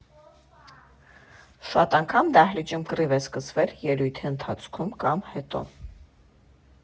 Շատ անգամ դահլիճում կռիվ է սկսվել ելույթի ընթացքում կամ հետո։